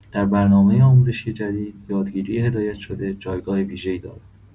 در برنامه آموزشی جدید، یادگیری هدایت‌شده جایگاه ویژه‌ای دارد.